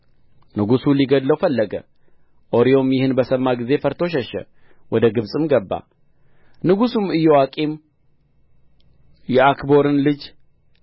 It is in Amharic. ንጉሡ ሊገድለው ፈለገ ኦርዮም ይህን በሰማ ጊዜ ፈርቶ ሸሸ ወደ ግብጽም ገባ ንጉሡም ኢዮአቄም የዓክቦርን ልጅ